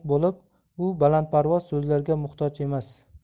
qahramonlik bo'lib u balandparvoz so'zlarga muhtoj emas